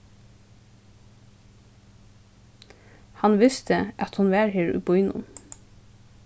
hann visti at hon var her í býnum